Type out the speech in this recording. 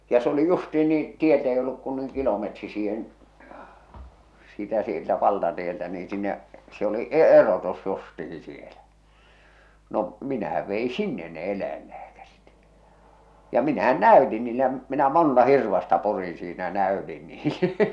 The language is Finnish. ja se oli justiin niin tieltä ei ollut kuin noin kilometri siihen sitä sieltä valtatieltä niin sinne se oli - erotus justiin siellä no minähän vei sinne ne eläinlääkärit ja minähän näytin niille ja minä monta hirvasta purin siinä ja näytin niille